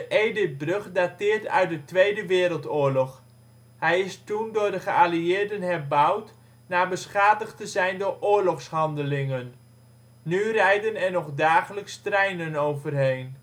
Edithbrug dateert uit de Tweede Wereldoorlog. Hij is toen door de geallieerden herbouwd na beschadigd te zijn door oorlogshandelingen. Nu rijden er nog dagelijks treinen overheen